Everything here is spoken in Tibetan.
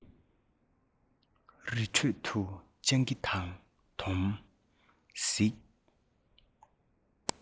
རི ཁྲོད དུ སྤྱང ཀི དང དོམ གཟིག